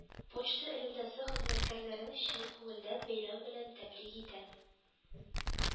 Почта элемтәсе хезмәткәрләрен чын күңелдән бәйрәм белән тәбрик итәм